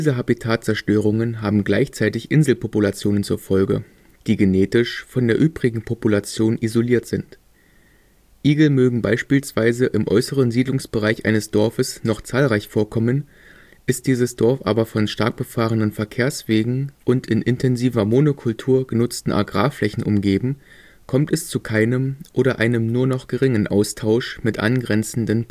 Habitatzerstörungen haben gleichzeitig Inselpopulationen zur Folge, die genetisch von der übrigen Population isoliert sind. Igel mögen beispielsweise im äußeren Siedlungsbereich eines Dorfes noch zahlreich vorkommen. Ist dieses Dorf aber von stark befahrenen Verkehrswegen und in intensiver Monokultur genutzten Agrarflächen umgeben, kommt es zu keinem oder nur einem noch geringen Austausch mit angrenzenden